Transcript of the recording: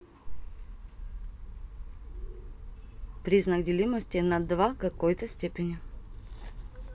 признак делимости на два какой то степени